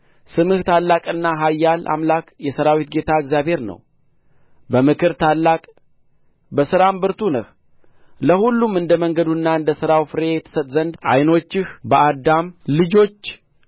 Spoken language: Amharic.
ስምህ ታላቅና ኃያል አምላክ የሠራዊት ጌታ እግዚአብሔር ነው በምክር ታላቅ በሥራም ብርቱ ነህ ለሁሉም እንደ መንገዱና እንደ ሥራው ፍሬ ትሰጥ ዘንድ ዓይኖችህ በአዳም ልጆች